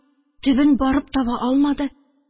Төбен барып таба алмады